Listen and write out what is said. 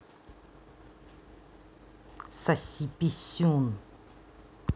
соси писюн